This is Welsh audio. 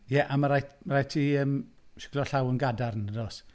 Ie a mae rha... mae rhaid ti yym siglo llaw yn gadarn yn does.